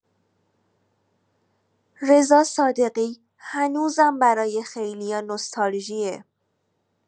رضا صادقی هنوزم برای خیلیا نوستالژیه.